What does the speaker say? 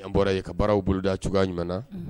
N bɔra ye ka baararaww boloda cogoya ɲuman